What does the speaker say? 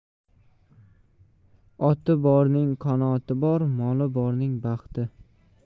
oti borning qanoti bor moli borning baxti